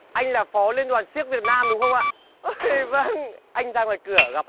anh là phó liên đoàn xiếc việt nam đúng không ạ vâng anh ra ngoài cửa